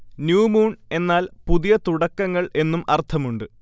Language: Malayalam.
ന്യൂ മൂൺ എന്നാൽ പുതിയ തുടക്കങ്ങൾ എന്നും അര്ഥമുണ്ട്